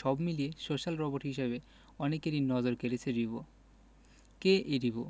সব মিলিয়ে social robot হিসেবে অনেকেরই নজর কেড়েছে রিবো কে এই রিবো